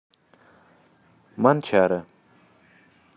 манчары